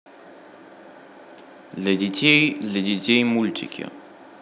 для детей для детей мультики